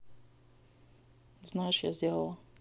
знаешь я сделала